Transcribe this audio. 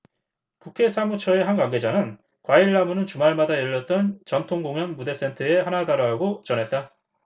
국회 사무처의 한 관계자는 과일나무는 주말마다 열렸던 전통공연 무대세트의 하나다라고 전했다